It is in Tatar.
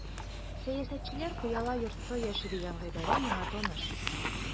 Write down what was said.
Сәясәтчеләр пыяла йортта яши дигән гыйбарә миңа таныш.